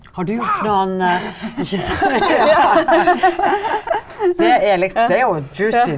har du noen ikke sant det er det er jo juicy.